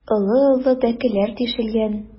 Олы-олы бәкеләр тишелгән.